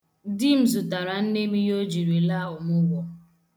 Di m zụtara nne m ihe o jiri laa ọmụgwọ.